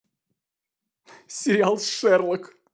сериал шерлок